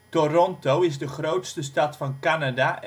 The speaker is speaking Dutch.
Toronto is de grootste stad van Canada